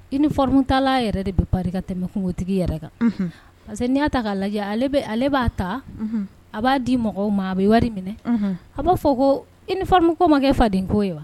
I nita yɛrɛ de bɛ barika tɛmɛkuntigi yɛrɛ kan parce n' y'a ta'a lajɛ ale b'a ta a b'a di mɔgɔw ma a bɛ wari minɛ a b'a fɔ ko i nimuko makɛ faden ko ye wa